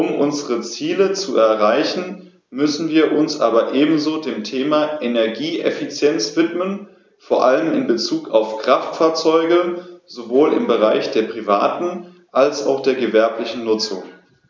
Um unsere Ziele zu erreichen, müssen wir uns aber ebenso dem Thema Energieeffizienz widmen, vor allem in Bezug auf Kraftfahrzeuge - sowohl im Bereich der privaten als auch der gewerblichen Nutzung.